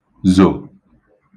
zò